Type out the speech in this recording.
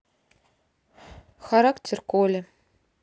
характер коли